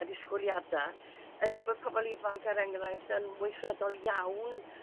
Y disgwyliada ydy bo' pobol ifanc er enghraifft yn weithredol iawn